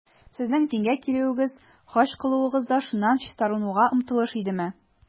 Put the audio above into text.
Сезнең дингә килүегез, хаҗ кылуыгыз да шуннан чистарынуга омтылыш идеме?